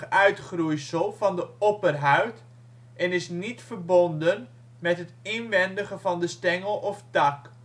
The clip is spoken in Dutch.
uitgroeisel van de opperhuid en is niet verbonden met het inwendige van de stengel of tak